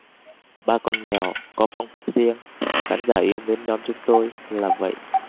ba con mèo có phong cách riêng khán giả yêu mến nhóm chúng tôi là vậy